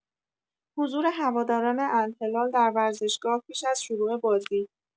حضور هواداران الهلال در ورزشگاه پیش از شروع بازی